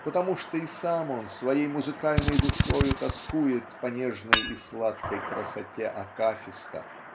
потому что и сам он своей музыкальной душою тоскует по нежной и сладкой красоте акафиста.